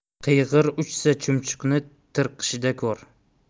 qiyg'ir uchsa chumchuqni tirqishda ko'r